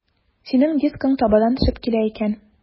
Синең дискың табадан төшеп килә икән.